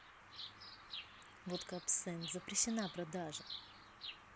водка абсент запрещена продажа